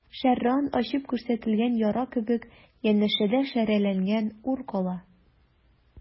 Шәрран ачып күрсәтелгән яра кебек, янәшәдә шәрәләнгән ур кала.